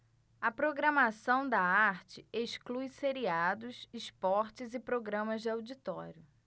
a programação da arte exclui seriados esportes e programas de auditório